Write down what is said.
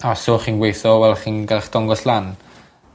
As os so chi'n gweitho wel chi'n ga'l 'ych dongos lan.